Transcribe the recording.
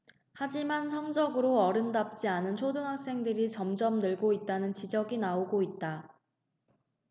하지만 성적으로 어린이 답지 않은 초등학생들이 점점 늘고 있다는 지적이 나오고 있다